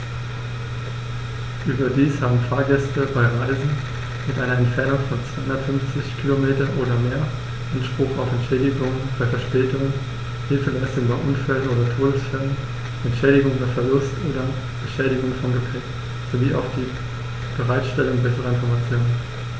Überdies haben Fahrgäste bei Reisen mit einer Entfernung von 250 km oder mehr Anspruch auf Entschädigung bei Verspätungen, Hilfeleistung bei Unfällen oder Todesfällen, Entschädigung bei Verlust oder Beschädigung von Gepäck, sowie auf die Bereitstellung besserer Informationen.